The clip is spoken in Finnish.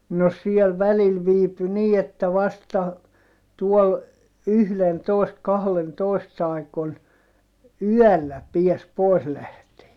no siellä välillä viipyi niin että vasta tuolla yhdentoista kahdentoista aikoihin yöllä pääsi pois lähtemään